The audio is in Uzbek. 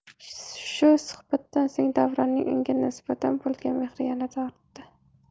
shu suhbatdan so'ng davronning unga nisbatan bo'lgan mehri yanada ortdi